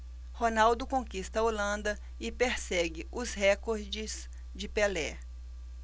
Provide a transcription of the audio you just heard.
ronaldo conquista a holanda e persegue os recordes de pelé